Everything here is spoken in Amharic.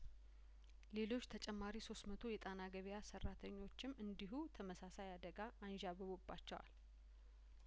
ሌሎች ተጨማሪ ሶስት መቶ የጣና ገበያ ሰራተኞችም እንዲሁ ተመሳሳይ አደጋ አንዣብቦበቸዋል